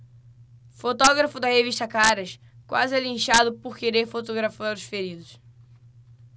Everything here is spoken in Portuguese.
fotógrafo da revista caras quase é linchado por querer fotografar os feridos